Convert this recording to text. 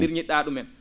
pirñit?aa ?umen